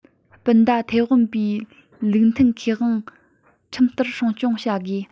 སྤུན ཟླ ཐའེ ཝན པའི ལུགས མཐུན ཁེ དབང ཁྲིམས ལྟར སྲུང སྐྱོང བྱ དགོས